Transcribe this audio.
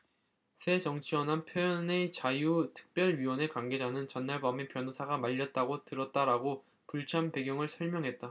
새정치연합 표현의자유특별위원회 관계자는 전날 밤에 변호사가 말렸다고 들었다라고 불참 배경을 설명했다